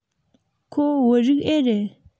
ཁོ བོད རིགས འེ རེད